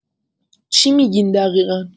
چی می‌گین دقیقا